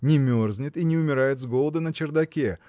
не мерзнет и не умирает с голода на чердаке